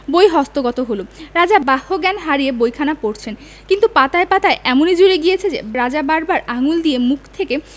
বই হস্তগত হল রাজা বাহ্যজ্ঞান হারিয়ে বইখানা পড়ছেন কিন্তু পাতায় পাতায় এমনি জুড়ে গিয়েছে যে রাজা বার বার আঙুল দিয়ে মুখ থেকে